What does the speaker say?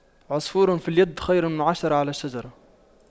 عصفور في اليد خير من عشرة على الشجرة